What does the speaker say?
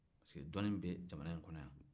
pariseke dɔnni bɛ jamana in kɔnɔ yan